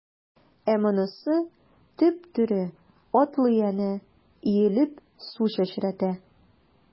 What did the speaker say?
Ә монысы— теп-тере, атлый әнә, иелеп су чәчрәтә.